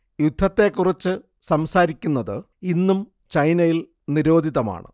യുദ്ധത്തെക്കുറിച്ച് സംസാരിക്കുന്നത് ഇന്നും ചൈനയിൽ നിരോധിതമാണ്